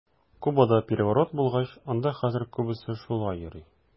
Кубада переворот булгач, анда хәзер күбесе шулай йөри.